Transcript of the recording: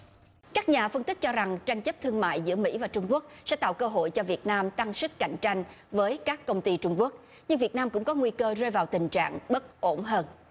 các nhà phân tích cho rằng tranh chấp thương mại giữa mỹ và trung quốc sẽ tạo cơ hội cho việt nam tăng sức cạnh tranh với các công ty trung quốc nhưng việt nam cũng có nguy cơ rơi vào tình trạng bất ổn hơn